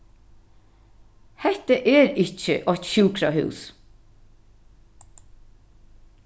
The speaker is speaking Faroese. hetta er ikki eitt sjúkrahús